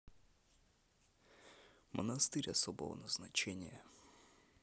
монастырь особого назначения